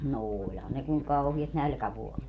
no olihan ne kun kauheat nälkävuodet